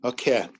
Oce.